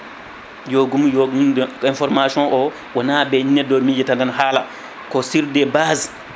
yogum yogum information o wona ɓe neɗɗo miji tan haala ko sur base